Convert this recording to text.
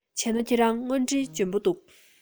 བྱས ན ཁྱེད རང དངོས འབྲེལ འཇོན པོ བྱུང